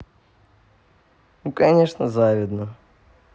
ну конечно завидно